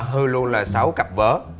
hư luôn là sáu cặp với